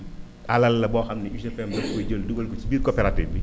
alal la boo xam ne UGPM dakoy jël dugal ko si biir coopérative bi